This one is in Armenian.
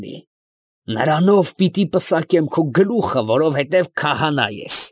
Ունի. նրանով պիտի պսակեմ քո գլուխը, որովհետև քահանա ես։